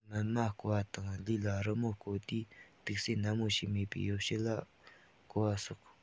སྨིན མ རྐོ བ དང ལུས ལ རི མོ རྐོ དུས དུག སེལ ནན མོ བྱས མེད པའི ཡོ བྱད བཀོལ བ སོགས སོ